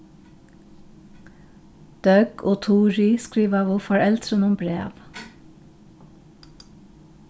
døgg og turið skrivaðu foreldrunum bræv